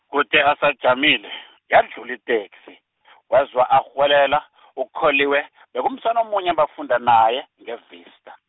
kuthe asajamile, yadlula iteksi, wezwa arhuwelela , uKholiwe , bekumsana omunye abafunda naye, ngeVista.